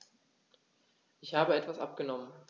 Ich habe etwas abgenommen.